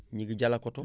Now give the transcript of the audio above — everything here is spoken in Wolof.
ñu ngi Dialokoto